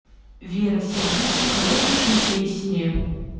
вера сердючка лучшие песни